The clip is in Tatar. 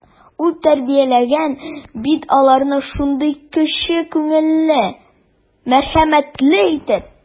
Ул тәрбияләгән бит аларны шундый кече күңелле, мәрхәмәтле итеп.